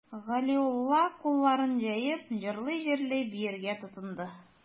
Галиулла, кулларын җәеп, җырлый-җырлый биергә тотынды.